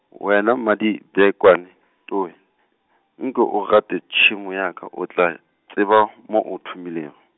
wena madibekwane towe, nke o gate tšhemo ya ka o tla, tseba mo o thomilego.